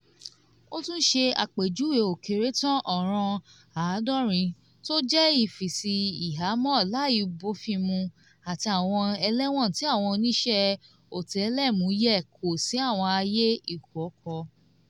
Ó tún ṣe àpéjúwe ó kéré tàn ọ̀ràn 70 tó jẹ́ "ìfisí ìhámọ́ láìbófinmu", àti àwọn ẹlẹ́wọ̀n tí àwọn oníṣẹ́ ọ̀tẹlẹ̀múyẹ́ kò sí àwọn àyè ìkọ̀kọ̀.